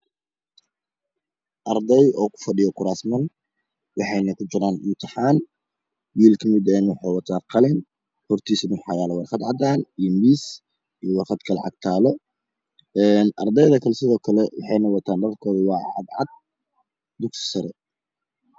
Ardey ookufadhiyo kuraasman waxeyna kujiraan imtixaan wiilkamidahane waxa uu wataa qalin waxaane horyaalo warqad cadan io warqadkaloo hortiisa taalo ardeyda kle waxey wataan dhar cad cad ah waeyna dhigtaan dugsi sar